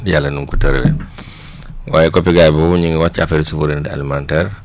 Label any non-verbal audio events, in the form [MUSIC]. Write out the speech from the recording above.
yàlla ni mu ko tëralee [NOISE] [BREATH] waaye COPEGA boobu ñu ngi wax ci affaire souveraineté alimentaire